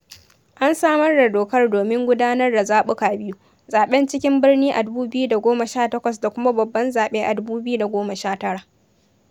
An samar da dokar domin gudanar da zaɓuka biyu - zaɓen cikin birni a 2018 da kuma babban zaɓe a 2019.